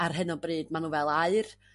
ar hyn o bryd ma' n'w fel aur yym